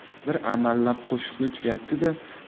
bir amallab qo'shiqni tugatdi da